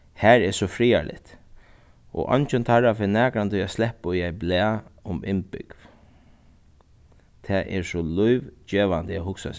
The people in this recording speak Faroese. har er so friðarligt og eingin teirra fer nakrantíð at sleppa í eitt blað um innbúgv tað er so lívgevandi at hugsa